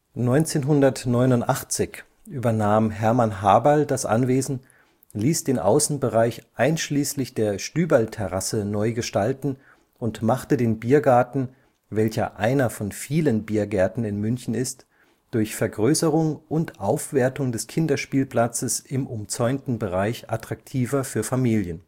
1989 übernahm Hermann Haberl das Anwesen, ließ den Außenbereich einschließlich der Stüberlterrasse neu gestalten und machte den Biergarten, welcher einer von vielen Biergärten in München ist, durch Vergrößerung und Aufwertung des Kinderspielplatzes im umzäunten Bereich attraktiver für Familien